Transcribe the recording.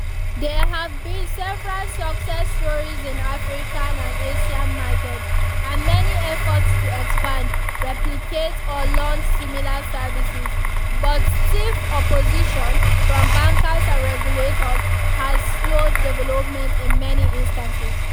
There have been several success stories in African and Asian markets, and many efforts to expand, replicate or launch similar services, but stiff opposition from bankers and regulators has slowed development in many instances.